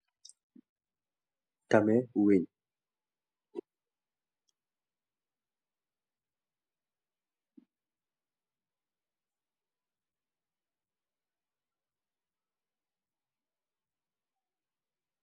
Tame weñ.